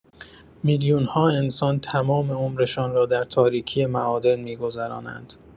میلیون‌ها انسان تمام عمرشان را در تاریکی معادن می‌گذرانند.